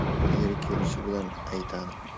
eri kelishi bilan aytadi